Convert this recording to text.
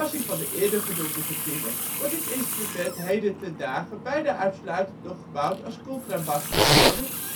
van de eerder genoemde ventielen wordt dit instrument heden ten dage bijna uitsluitend nog gebouwd als contrabastrombone